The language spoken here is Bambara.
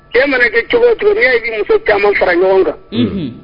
Cɛ mana kɛ cogo to n ye y'i muso caman fara ɲɔgɔn kan